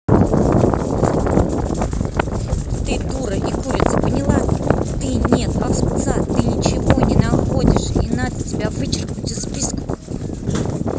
ты дура и курица поняла ты нет овца ты ничего не находишь и надо тебя вычеркнуть из списка